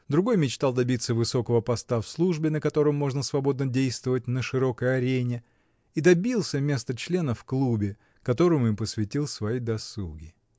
Другой мечтал добиться высокого поста в службе, на котором можно свободно действовать на широкой арене, и добился места члена в клубе, которому и посвятил свои досуги.